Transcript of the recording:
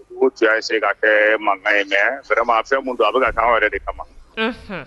U tun y'a essayer ka kɛ mankan ye mais fɛn min don a bɛ ka kɛ an yɛrɛ de kama, unhun